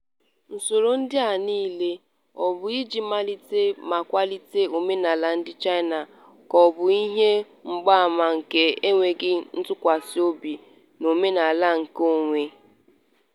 Usoro ndị a niile, ọ bụ iji melite ma kwalite omenala ndị China, ka ọ bụ ihe mgbaàmà nke enweghị ntụkwasịobi n'omenala nke onwe?